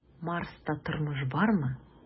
"марста тормыш бармы?"